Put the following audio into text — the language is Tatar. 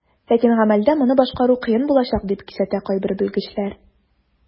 Ләкин гамәлдә моны башкару кыен булачак, дип кисәтә кайбер белгечләр.